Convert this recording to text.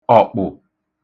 ọ̀kpụ̀